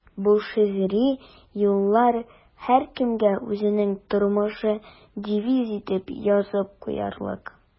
Бу шигъри юллар һәркемгә үзенең тормыш девизы итеп язып куярлык.